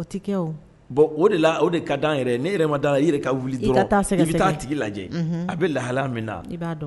O tɛ kɛ wo, bon o de la o ka di an yɛrɛ ye, n'i yɛrɛ ma d'a la, i ka wuli dɔrɔnw i ka taa tigi fɛgɛsɛgɛ , lajɛ a bɛ lahala minna, i b'a dɔn.